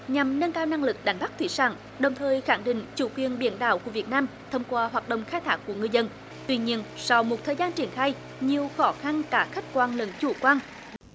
nhằm nâng cao năng lực đánh bắt thủy sản đồng thời khẳng định chủ quyền biển đảo của việt nam thông qua hoạt động khai thác của ngư dân tuy nhiên sau một thời gian triển khai nhiều khó khăn cả khách quan lẫn chủ quan